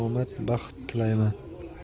omad baxt tilayman